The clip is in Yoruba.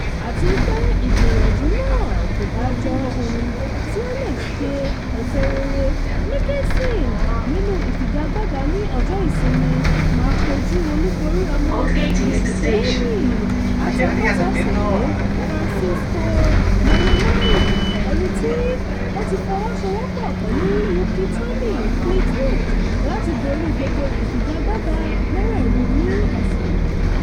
Àti pé tí ìgbìyànjú náà kò bá jọ ohun tí ó le so èso rere, Mickelson, nínú ìfigagbága ní ọjọ́ Ìsinmi, máa kojú olùbórí ọmọ Bírítènì atamátàṣe Francesco Molinari, ẹnití ó ti fọwọ́sowọ́pọ̀ pẹ̀lú rookie Tommy Fleetwood láti borí gbogbo ìfigagbága mẹ́rẹ̀ẹ̀rin ní ọ̀ṣẹ̀ yìí.